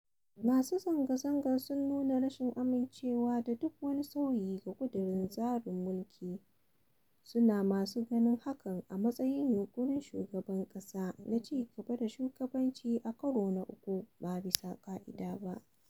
Masu zanga-zangar sun nuna rashin amincewa da duk wani sauyi ga kundin tasrin mulki, su na masu ganin hakan a matsayin yunƙurin shugaban ƙasar na cigaba da shuaganci a karo na uku ba bisa ƙa'ida ba.